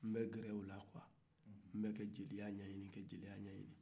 nbɛ gɛrɛ o la quoi nbe ka jeliya ɲɛɲini ka jeliya ɲɛɲini